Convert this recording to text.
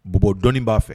Bbɔ dɔni b'a fɛ